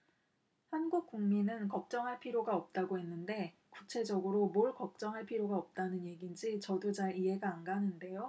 한국 국민은 걱정할 필요가 없다고 했는데 구체적으로 뭘 걱정할 필요가 없다는 얘긴지 저도 잘 이해가 안 가는데요